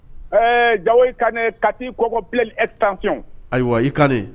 Ɛɛ ja i ka ne kati i kɔkɔpi etan fi ayiwa i ka